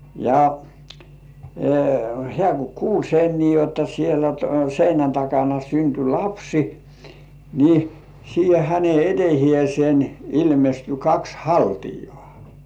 ja hän kun kuuli sen niin jotta siellä seinän takana syntyi lapsi niin siihen hänen eteensä ilmestyi kaksi haltiaa